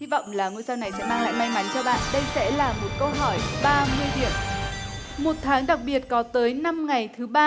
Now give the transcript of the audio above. hy vọng là ngôi sao này sẽ mang lại may mắn cho bạn đây sẽ là một câu hỏi ba mươi điểm một tháng đặc biệt có tới năm ngày thứ ba